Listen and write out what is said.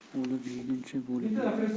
o'lib yeguncha bo'lib ye